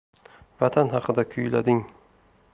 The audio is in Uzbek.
vatan haqida kuylading